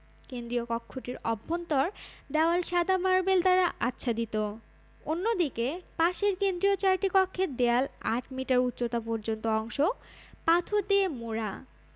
কেন্দ্রীয় কক্ষটির অভ্যন্তর দেওয়াল সাদা মার্বেল দ্বারা আচ্ছাদিত অন্যদিকে পাশের কেন্দ্রীয় চারটি কক্ষের দেওয়াল আট মিটার উচ্চতা পর্যন্ত অংশ পাথর দিয়ে মোড়া